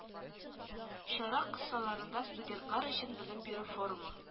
Чара кысаларында студентлар өчен белем бирү форумы